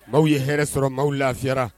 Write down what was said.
Maaw ye hɛrɛ sɔrɔ maaw lafiyayara